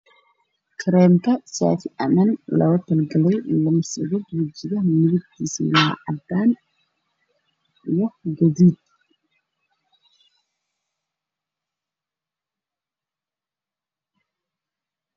Halakan waxa yalo karen oo kuqoran safi amani midabkis waa cadan io gadud